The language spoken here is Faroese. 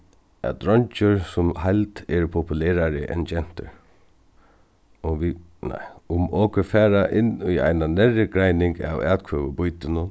at dreingir sum heild eru populerari enn gentur um vit nei um okur fara inn í eina nærri greining av atkvøðubýtinum